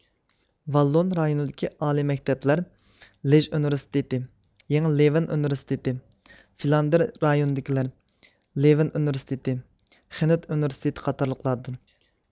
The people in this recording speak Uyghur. ۋاللون رايونىدىكى ئالىي مەكتەپلەر لېژ ئۇنىۋېرسىتېتى يېڭى لېۋېن ئۇنىۋېرسىتېتى فلاندېر رايونىدىكىلەر لېۋېن ئۇنىۋېرسىتېتى خېنت ئۇنىۋېرسىتېتى قاتارلىقلاردۇر